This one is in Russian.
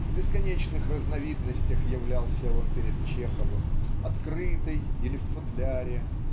В бесконечных разновидностях являлся он перед Чеховым открытый или в футляре